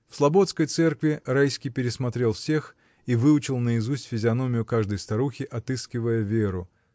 В слободской церкви Райский пересмотрел всех и выучил наизусть физиономию каждой старухи, отыскивая Веру.